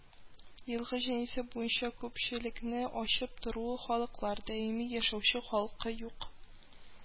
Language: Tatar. Елгы җанисәп буенча күпчелекне алып торучы халыклар: даими яшәүче халкы юк